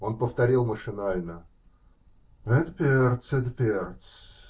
Он повторил машинально: -- Эд перц, эд перц.